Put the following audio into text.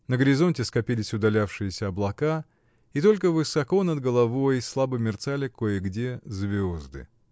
На горизонте скопились удалявшиеся облака, и только высоко над головой слабо мерцали кое-где звезды.